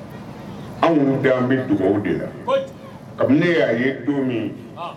Anw an bɛ dugawu de la kabini ne' ye don min